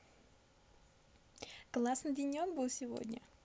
классный денек был сегодня